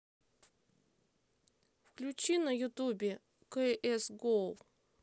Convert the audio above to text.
включи на ютубе кс гоу